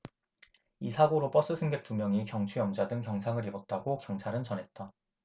이 사고로 버스 승객 두 명이 경추염좌 등 경상을 입었다고 경찰은 전했다